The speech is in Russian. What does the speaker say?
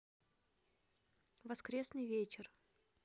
воскресный вечер